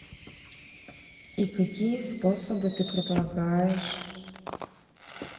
и какие способы ты предлагаешь